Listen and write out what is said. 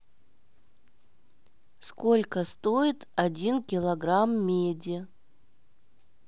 сколько стоит один килограмм меди